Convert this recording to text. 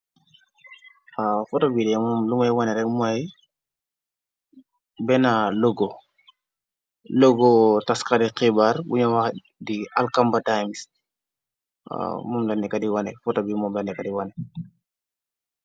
Foto bi lem lumay wane rek mooy bena g logo taskari xibar buñu wax di alkambatimesmomlamnekadi wone foto bi moomlamnekadi di wane.